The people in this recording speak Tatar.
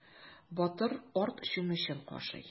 Батыр арт чүмечен кашый.